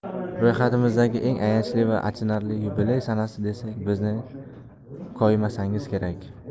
ro'yxatimizdagi eng ayanchli va achinarli yubiley sanasi desak bizni koyimasangiz kerak